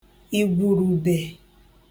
ìgwùrùbè